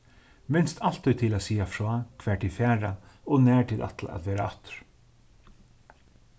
minst altíð til at siga frá hvar tit fara og nær tit ætla at vera aftur